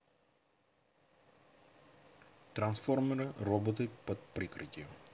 трансформеры роботы под прикрытием